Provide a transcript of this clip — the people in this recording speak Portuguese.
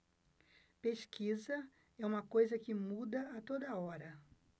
pesquisa é uma coisa que muda a toda hora